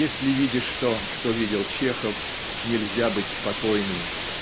Если видишь то, что видел Чехов, нельзя быть спокойным.